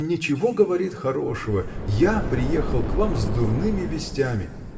Ничего, говорит, хорошего: я приехал к вам с дурными вестями.